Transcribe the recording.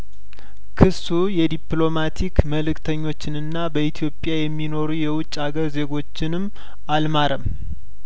ክሱ የዲፕሎማቲክ መልእክተኞችንና በኢትዮጵያ የሚኖሩ የውጭ አገር ዜጐችንም አልማረም